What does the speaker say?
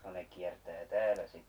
no ne kiertää täällä sitten